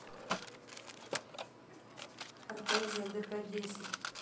артезия дп десять